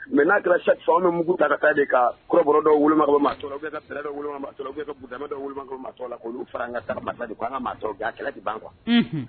Mɛ n'a bɛ mugu ta de ka dɔ wu wu la olu an ka' ka kɛlɛ de ban kuwa